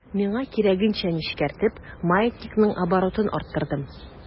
Миңа кирәгенчә нечкәртеп, маятникның оборотын арттырдым.